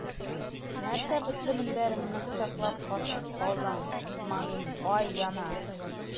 Нәрсә бетле мендәреңне кочаклап катып калдың, Исмәгыйль бай яна!